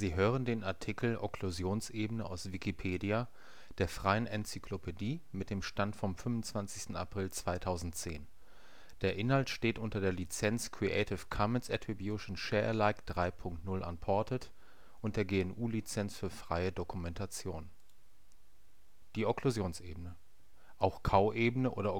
hören den Artikel Okklusionsebene, aus Wikipedia, der freien Enzyklopädie. Mit dem Stand vom Der Inhalt steht unter der Lizenz Creative Commons Attribution Share Alike 3 Punkt 0 Unported und unter der GNU Lizenz für freie Dokumentation. Darstellung der Okklusionsebene, Spee´sche Kurve, Kompensationskurve und Winkelstellung, Angulation der Zähne zur Okklusionsebene nach G. – H. Schumacher. Die gerade Okklusionsebene ist eine künstliche Linie von den Frontzähnen zu den Molaren. Die Okklusionsebene (auch Kauebene oder Okklusalebene